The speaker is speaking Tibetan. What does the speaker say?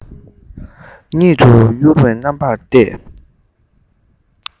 གཉིད དུ ཡུར བའི རྣམ པར བལྟས